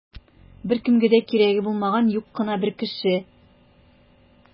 Беркемгә дә кирәге булмаган юк кына бер кеше.